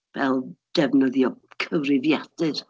Fel defnyddio cyfrifiadur.